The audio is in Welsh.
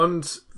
Ond